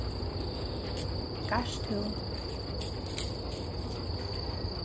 garðstún